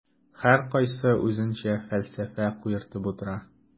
Һәркайсы үзенчә фәлсәфә куертып утыра.